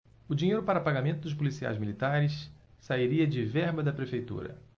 o dinheiro para pagamento dos policiais militares sairia de verba da prefeitura